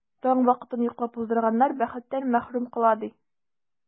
Таң вакытын йоклап уздырганнар бәхеттән мәхрүм кала, ди.